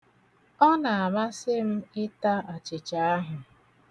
Ọ na-amasị m ita achịcha ahụ.